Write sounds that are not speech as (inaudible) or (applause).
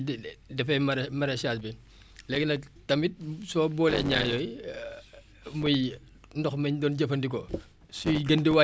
léegi nag tamit soo boolee (noise) ñaar yooyu (hesitation) muy ndox miñ doon jëfandikoo (noise) suy gën di wàññeeku ba nga xamante ne nit ñi